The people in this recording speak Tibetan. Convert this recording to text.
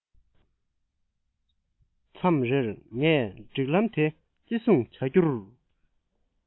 མཚམས རེར ངས སྒྲིག ལམ དེ བརྩི སྲུང བྱ རྒྱུར